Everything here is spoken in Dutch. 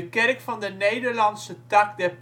van de Nederlandse tak der paters